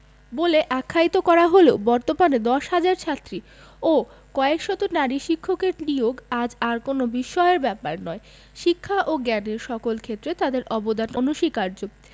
বলে আখ্যায়িত করা হলেও বর্তমানে ১০ হাজার ছাত্রী ও কয়েক শত নারী শিক্ষকের নিয়োগ আজ আর কোনো বিস্ময়ের ব্যাপার নয় শিক্ষা ও জ্ঞানের সকল ক্ষেত্রে তাদের অবদান অনস্বীকার্য